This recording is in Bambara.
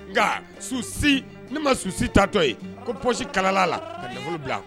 Nka su si ne ma su si taatɔ ye ko pɔsi kalal'a la ka nafolo bila